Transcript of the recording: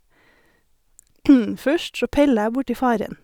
Først så peller jeg borti faren.